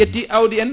ƴetti awdi en